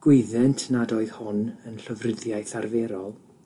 Gwyddent nad oedd hon yn llofruddiaeth arferol.